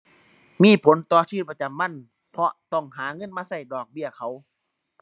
มีผลต่อชีวิตประจำวัน เพราะต้องหาเงินมาใช้ดอกเบี้ยเขา